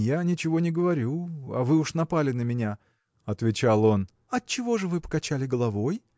– Я ничего не говорю, а вы уж напали на меня, – отвечал он. – Отчего же вы покачали головой?